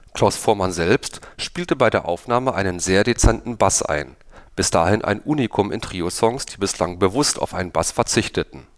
Klaus Voormann selbst spielte bei der Aufnahme einen sehr dezenten Bass ein – bis dahin ein Unikum in Trio-Songs, die bislang bewusst auf einen Bass verzichteten